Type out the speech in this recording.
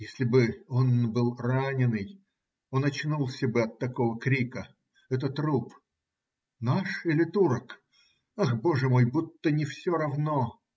Если бы он был раненый, он очнулся бы от такого крика. Это труп. Наш или турок? Ах, боже мой! Будто не все равно!